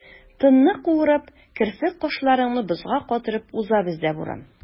Тынны куырып, керфек-кашларыңны бозга катырып уза бездә буран.